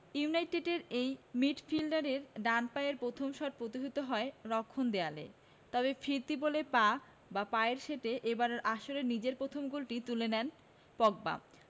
ইউনাইটেডের এই মিডফিল্ডারের ডান পায়ের প্রথম শট প্রতিহত হয় রক্ষণ দেয়ালে তবে ফিরতি বলে বাঁ পায়ের শটে এবারের আসরে নিজের প্রথম গোলটি তুলে নেন পগবা